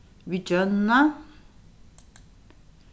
við gjónna